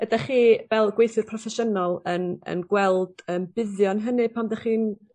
ydach chi fel gweithiwr proffesiynol yn yn gweld yym buddion hynny pan 'dach chi'n